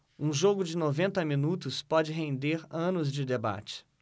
um jogo de noventa minutos pode render anos de debate